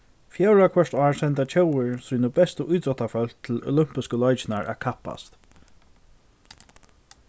fjórða hvørt ár senda tjóðir síni bestu ítróttafólk til olympisku leikirnar at kappast